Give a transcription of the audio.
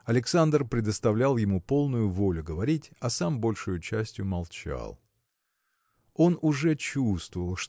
Александр предоставлял ему полную волю говорить а сам большею частью молчал. Он уже чувствовал